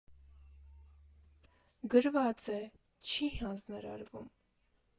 «Գրված է՝ չի հանձնարարվում»։